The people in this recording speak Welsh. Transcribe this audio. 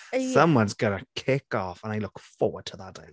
O ie ...someone's gonna kick off and I look forward to that.